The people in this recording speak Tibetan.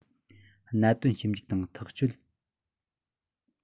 གནད དོན ཞིབ འཇུག དང འབྲེལ ཐག གཅོད བྱ རྒྱུ གཙོར བཟུང བྱས